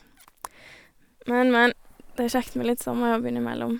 Men, men, det er kjekt med litt sommerjobb innimellom.